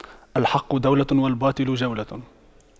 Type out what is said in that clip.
الحق دولة والباطل جولة